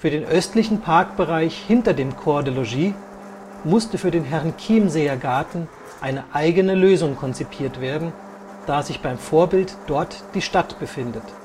den östlichen Parkbereich hinter dem Corps de Logis musste für den Herrenchiemseer Garten eine eigene Lösung konzipiert werden, da sich beim Vorbild dort die Stadt befindet